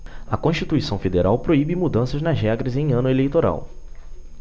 a constituição federal proíbe mudanças nas regras em ano eleitoral